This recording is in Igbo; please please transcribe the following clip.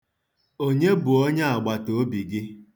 Onye bụ onyeagbataobi gị?